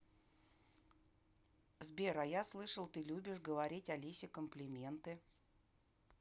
сбер а я слышал ты любишь говорить алисе комплименты